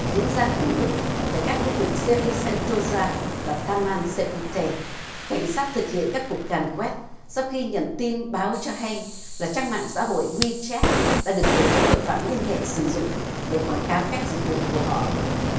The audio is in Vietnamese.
diễn ra cùng lúc tại các khu vực sê ri sen tô ra và ta man sen pu tê cảnh sát thực hiện các cuộc càn quét sau khi nhận tin báo cho hay là trang mạng xã hội guy chét đã được tổ chức tội phạm liên hệ sử dụng để quảng cáo các dịch vụ của họ